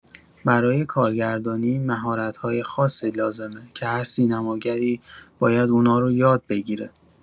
برای کارگردانی مهارت‌های خاصی لازمه که هر سینماگری باید اونا رو یاد بگیره.